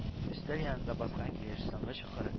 Өстәл янында баскан килеш соңгы чокыр